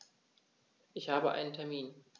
Ich habe einen Termin.